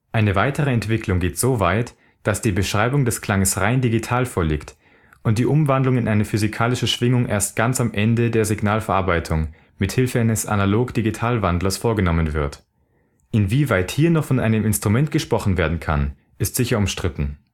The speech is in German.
Eine weitere Entwicklung geht soweit, dass die Beschreibung des Klanges rein digital vorliegt und die Umwandlung in eine physikalische Schwingungen erst ganz am Ende der Signalverarbeitung mit Hilfe eine Anaglog-Digital-Wandlers vorgenommen wird. Inwieweit hier noch von einem Instrument gesprochen werden kann ist sicher umstritten